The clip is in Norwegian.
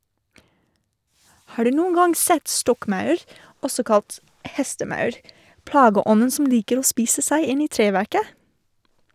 Har du noen gang sett stokkmaur, også kalt hestemaur, plageånden som liker å spise seg inn i treverket?